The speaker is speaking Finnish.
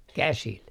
käsillä